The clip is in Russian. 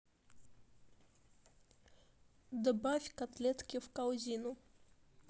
добавь котлетки в корзину